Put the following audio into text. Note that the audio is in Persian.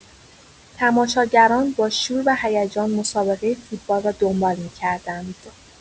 تماشاگران با شور و هیجان مسابقۀ فوتبال را دنبال می‌کردند.